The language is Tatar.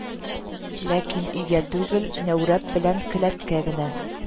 Ләкин өйгә түгел, нәүрәп белән келәткә генә